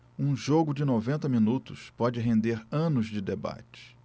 um jogo de noventa minutos pode render anos de debate